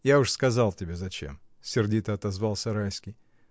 — Я уж сказал тебе, зачем, — сердито отозвался Райский.